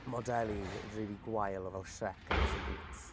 Modelau rili gwael o Shrek a Puss in Boots?